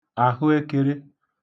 àhụekere